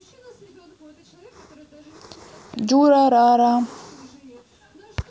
дюрарара